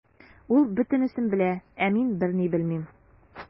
Ул бөтенесен белә, ә мин берни белмим.